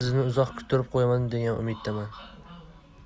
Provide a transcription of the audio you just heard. sizni uzoq kuttirib qo'ymadim degan umiddaman